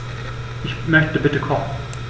Ich möchte bitte kochen.